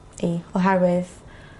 i oherwydd